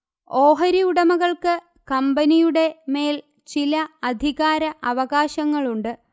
ഓഹരി ഉടമകൾക്ക് കമ്പനിയുടെ മേൽ ചില അധികാര അവകാശങ്ങളുണ്ട്